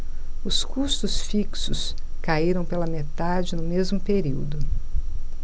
os custos fixos caíram pela metade no mesmo período